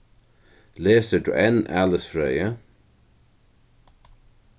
lesur tú enn alisfrøði